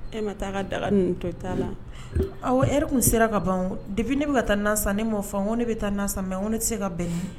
E ma taa a ka daga ni to la eri tun sera ka ban de ne bɛ ka taa nasa ne ma faamu o ne bɛ taa nasa mɛ o ne tɛ se ka bɛn